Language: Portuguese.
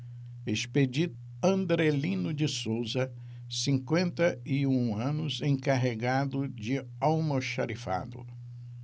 expedito andrelino de souza cinquenta e um anos encarregado de almoxarifado